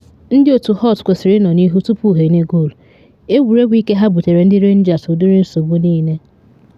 Ndị otu Holt kwesịrị ịnọ n’ihu tupu ha enye goolu, egwuregwu ike ha buteere ndị Rangers ụdịrị nsogbu niile.